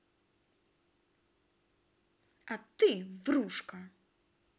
а ты врушка